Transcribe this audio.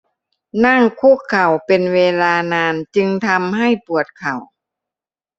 นั่งคุกเข่าเป็นเวลานานจึงทำให้ปวดเข่า